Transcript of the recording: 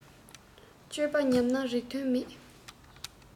སྤྱོད པ ཉམས ན རིགས དོན མེད